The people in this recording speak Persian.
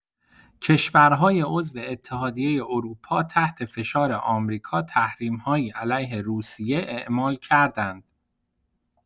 کشورهای عضو اتحادیه اروپا تحت فشار آمریکا تحریم‌هایی علیه روسیه اعمال کردند.